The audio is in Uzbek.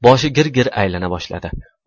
boshi gir gir aylana boshladi